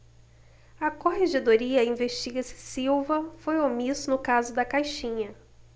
a corregedoria investiga se silva foi omisso no caso da caixinha